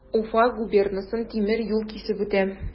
Уфа губернасын тимер юл кисеп үтә.